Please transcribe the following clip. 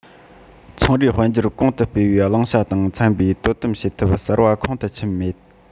ཚོང རའི དཔལ འབྱོར གོང དུ སྤེལ བའི བླང བྱ དང འཚམ པའི དོ དམ བྱེད ཐབས གསར པ ཁོང དུ ཆུད མེད